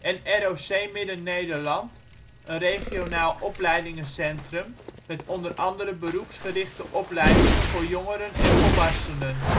en ROC Midden Nederland: een Regionaal opleidingencentrum met o.a. beroepsgerichte opleidingen voor jongeren en volwassenen